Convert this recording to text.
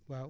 waaw